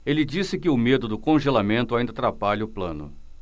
ele disse que o medo do congelamento ainda atrapalha o plano